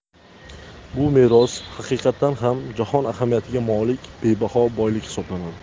bu meros haqiqatan ham jahon ahamiyatiga molik bebaho boylik hisoblanadi